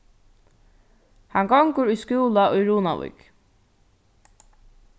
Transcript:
hann gongur í skúla í runavík